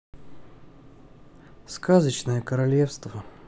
сказочное королевство